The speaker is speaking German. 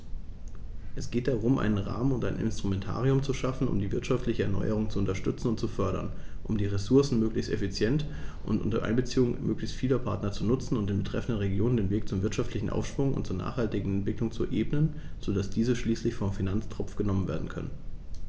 Es geht darum, einen Rahmen und ein Instrumentarium zu schaffen, um die wirtschaftliche Erneuerung zu unterstützen und zu fördern, um die Ressourcen möglichst effektiv und unter Einbeziehung möglichst vieler Partner zu nutzen und den betreffenden Regionen den Weg zum wirtschaftlichen Aufschwung und zur nachhaltigen Entwicklung zu ebnen, so dass diese schließlich vom Finanztropf genommen werden können.